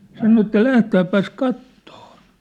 sanoi että lähdetäänpäs katsomaan